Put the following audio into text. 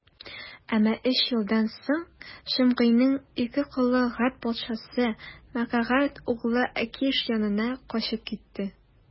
Әмма өч елдан соң Шимгыйның ике колы Гәт патшасы, Мәгакәһ углы Әкиш янына качып китте.